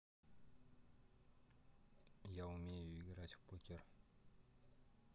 я умею играть в покер